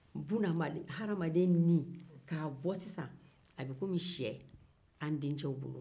buna hadama hadamaden nin k'a bɔ sisan a bɛ komi sɛ an denkɛw bolo